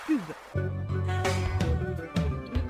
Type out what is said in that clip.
Yo